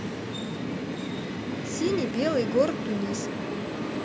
синий белый город тунис